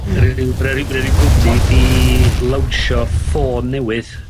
Ma' 'na ryw ma' 'na ryw ma' 'na ryw gwmni 'di lawnsio ffôn newydd.